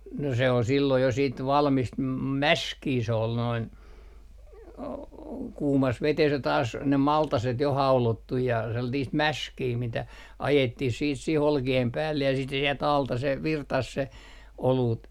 no se oli silloin ja sitten valmista - mäskiä se oli noin - kuumassa vedessä ja taas ne maltaset jo haudottu ja sellaista mäskiä mitä ajettiin sitten siihen olkien päälle ja sitten se sieltä alta se virtasi se olut